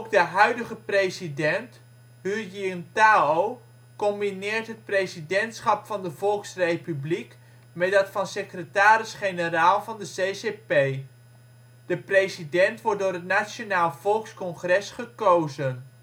de huidige president, Hu Jintao combineert het presidentschap van de volksrepubliek met dat van secretaris-generaal van de CCP. De president wordt door het Nationaal Volkscongres gekozen